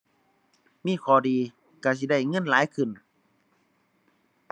น่าจะควรสอนตั้งแต่ตอนที่เราน้อยน้อย ใหญ่ขึ้นมาเราจะได้มีเงินเป็นของเจ้าของ